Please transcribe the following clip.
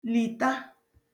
lìta